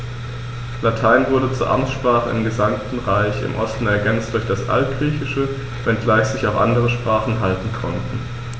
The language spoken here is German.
Latein wurde zur Amtssprache im gesamten Reich (im Osten ergänzt durch das Altgriechische), wenngleich sich auch andere Sprachen halten konnten.